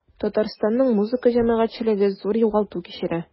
Татарстанның музыка җәмәгатьчелеге зур югалту кичерә.